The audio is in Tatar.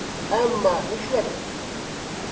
Әмма нишләргә?!